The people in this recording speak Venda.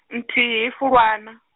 nthihi Fulwana.